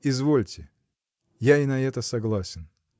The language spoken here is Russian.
-- Извольте, я и на это согласен.